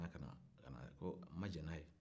ka na ko a jɛ n'a ye